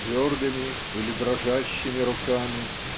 Твердыми или дрожащими руками?